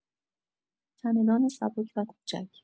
چمدان سبک و کوچک